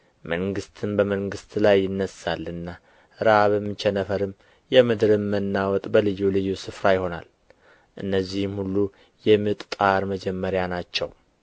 መንግሥትም በመንግሥት ላይ ይነሣልና ራብም ቸነፈርም የምድርም መናወጥ በልዩ ልዩ ስፍራ ይሆናል እነዚህም ሁሉ የምጥ ጣር መጀመሪያ ናቸው